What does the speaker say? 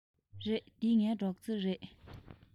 རེད འདི ངའི སྒྲོག རྩེ རེད